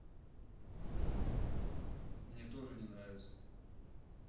мне тоже не нравится